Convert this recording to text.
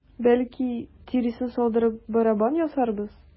Бәлки, тиресен салдырып, барабан ясарбыз?